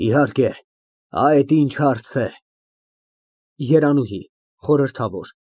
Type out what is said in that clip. Իհարկե, ա՞յդ ինչ հարց է։ ԵՐԱՆՈՒՀԻ ֊ (Խորհրդավոր)